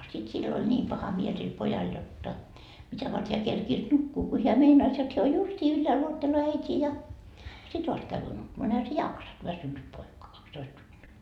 sitten sillä oli niin paha mieli sillä pojalla jotta mitä varten hän kerkesi nukkua kun hän meinasi jotta hän on justiin ylhäällä odottelee äitiä ja sitten vasta käy nukkumaan no eihän se jaksanut väsynyt poika kaksitoista vuotta